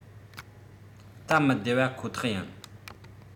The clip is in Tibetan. སྟབས མི བདེ བ ཁོ ཐག ཡིན